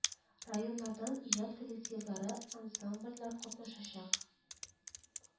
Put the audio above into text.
Районнардан иҗат коллективлары, ансамбльләр катнашачак